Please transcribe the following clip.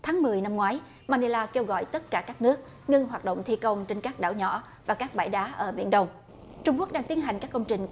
tháng mười năm ngoái ma ni la kêu gọi tất cả các nước ngưng hoạt động thi công trên các đảo nhỏ và các bãi đá ở biển đông trung quốc đang tiến hành các công trình